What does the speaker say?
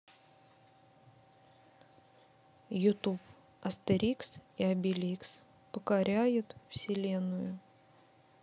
ютуб астерикс и обеликс покоряют вселенную